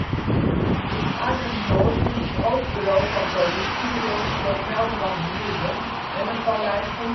Arnhem-Noord ligt het hoofdbureau van Politie regio Gelderland-Midden en het Paleis van